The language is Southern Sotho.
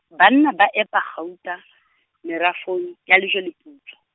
banna ba epa kgauta , merafong, ya Lejweleputswa.